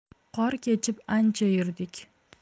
qor kechib ancha yurdik